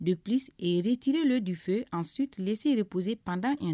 Deretiri dɔ de fɛ an su tilese de posi pand in na